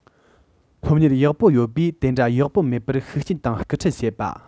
སློབ གཉེར ཡག པོ ཡོད པས དེ འདྲ ཡག པོ མེད པར ཤུགས རྐྱེན དང སྐུལ ཁྲིད བྱེད པ